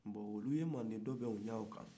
bɔn olu ye manden dilan o cogoya o la